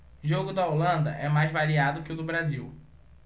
jogo da holanda é mais variado que o do brasil